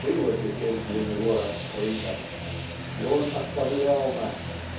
было теперь для него раскрыто. И он оставлял нас